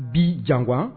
Bi jan